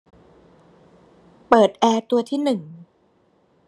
เปิดแอร์ตัวที่หนึ่ง